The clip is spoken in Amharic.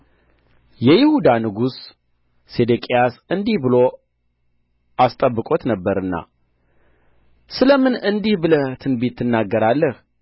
የይሁዳ ንጉሥ ሴዴቅያስ እንዲህ ብሎ አስጠብቆት ነበርና ስለ ምን እንዲህ ብለህ ትንቢት ትናገራለህ